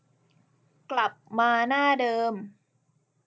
กลับมาหน้าเดิม